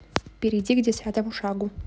перейди к десятому шагу